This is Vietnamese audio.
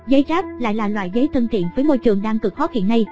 trong khi đó giấy kraft lại là loại giấy thân thiện với môi trường đang cực hot hiện nay